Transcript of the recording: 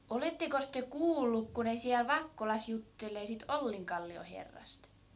olettekos te kuullut kun ne siellä Vakkolassa juttelee siitä Ollinkallion herrasta